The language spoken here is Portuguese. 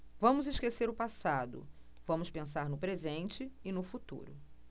vamos esquecer o passado vamos pensar no presente e no futuro